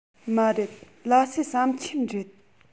མ རེད ལྷ སའི ཟམ ཆེན རེད